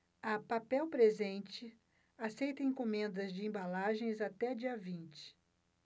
a papel presente aceita encomendas de embalagens até dia vinte